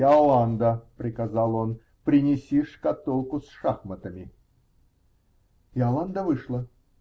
-- Иоланда, -- приказал он, -- принеси шкатулку с шахматами. Иоланда вышла.